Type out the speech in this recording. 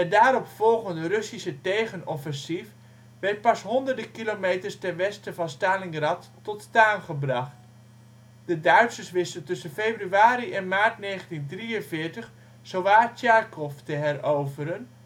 daarop volgende Russische tegenoffensief werd pas honderden kilometers ten westen van Stalingrad tot staan gebracht. De Duitsers wisten tussen februari en maart 1943 zowaar Charkov te heroveren